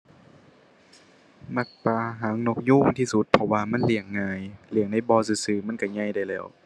มักปลาหางนกยูงที่สุด เพราะว่ามันเลี้ยงง่าย เลี้ยงในบ่อซื่อซื่อมันก็ใหญ่ได้แล้ว